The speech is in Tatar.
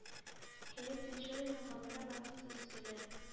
Кәрим Тинчуринның гомере вакытсыз өзелә.